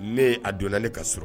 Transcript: Ne a donna ne ka sɔrɔ